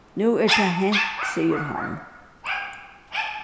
nú er tað hent sigur hann